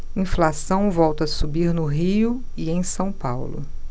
inflação volta a subir no rio e em são paulo